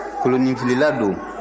kolonninfilila don